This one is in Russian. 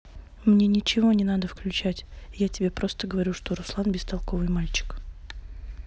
мне ничего не надо включать я тебе просто говорю что руслан бестолковый мальчик